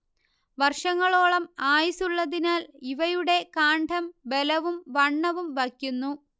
വർഷങ്ങളോളം ആയുസ്സുള്ളതിനാൽ ഇവയുടെ കാണ്ഡം ബലവും വണ്ണവും വയ്ക്കുന്നു